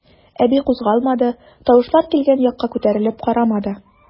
Әби кузгалмады, тавышлар килгән якка күтәрелеп карамады.